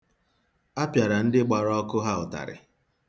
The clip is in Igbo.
A pịara ndị gbara ọkụ ha ụtarị.